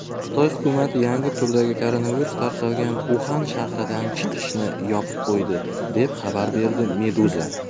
xitoy hukumati yangi turdagi koronavirus tarqalgan uxan shahridan chiqishni yopib qo'ydi deb xabar berdi meduza